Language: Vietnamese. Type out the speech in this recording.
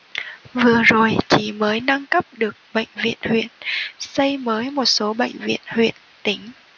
vừa rồi chỉ mới nâng cấp được bệnh viện huyện xây mới một số bệnh viện huyện tỉnh